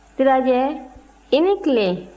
sirajɛ i ni tile